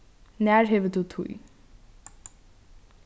nær hevur tú tíð